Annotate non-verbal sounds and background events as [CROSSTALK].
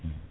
[HESITATION] [HESITATION]